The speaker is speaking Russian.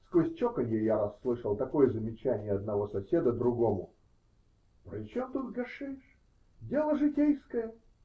сквозь чоканье я расслышал такое замечание одного соседа другому: -- При чем тут гашиш? Дело житейское.